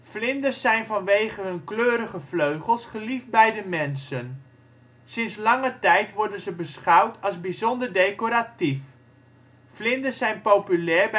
Vlinders zijn vanwege hun kleurige vleugels geliefd bij de mens. Sinds lange tijd worden ze beschouwd als bijzonder decoratief. Vlinders zijn populair